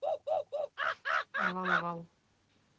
овал овал